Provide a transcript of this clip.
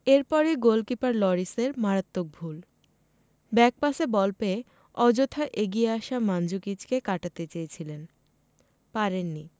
এরপরই গোলকিপার লরিসের মারাত্মক ভুল ব্যাকপাসে বল পেয়ে অযথা এগিয়ে আসা মানজুকিচকে কাটাতে চেয়েছিলেন পারেননি